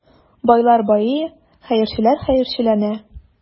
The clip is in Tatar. Байлар байый, хәерчеләр хәерчеләнә.